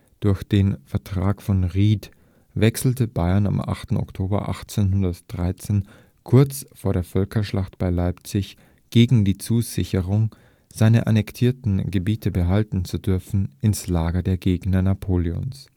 Durch den Vertrag von Ried wechselte Bayern am 8. Oktober 1813 kurz vor der Völkerschlacht bei Leipzig gegen die Zusicherung, seine annektierten Gebiete behalten zu dürfen, ins Lager der Gegner Napoleons